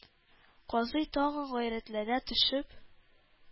Казый, тагын гайрәтләнә төшеп: